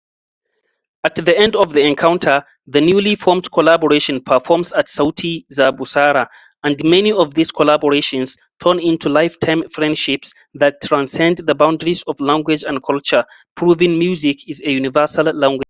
At the end of the "encounter", the newly-formed collaboration performs at Sauti za Busara, and many of these collaborations turn into life-time friendships that transcend the boundaries of language and culture, proving music is a universal language.